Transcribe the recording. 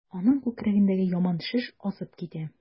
Аның күкрәгендәге яман шеш азып китә.